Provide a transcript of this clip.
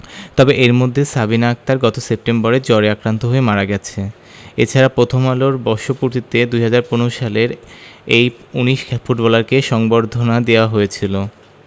তবে এর মধ্যে সাবিনা আক্তার গত সেপ্টেম্বরে জ্বরে আক্রান্ত হয়ে মারা গেছে এ ছাড়া প্রথম আলোর বর্ষপূর্তিতে ২০১৫ সালে এই ১৯ ফুটবলারকে সংবর্ধনা দেওয়া হয়েছিল